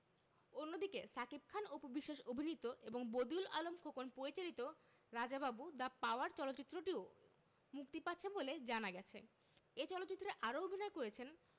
অন্যদিকে শাকিব খান অপু বিশ্বাস অভিনীত এবং বদিউল আলম খোকন পরিচালিত রাজা বাবু দ্যা পাওয়ার চলচ্চিত্রটিও মুক্তি পাচ্ছে বলে জানা গেছে এ চলচ্চিত্রে আরও অভিনয় করেছেন